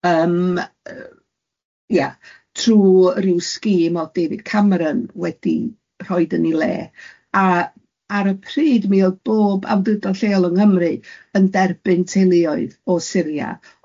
Yym yy ia, trwy ryw scheme oedd David Cameron wedi rhoid yn ei le, a ar y pryd mi odd bob awdurdod lleol yng Nghymru yn derbyn teuluoedd o Syria,